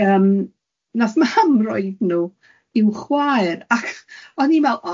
ac yym nath mam roid nw i'w chwaer, ac o'n i'n meddwl,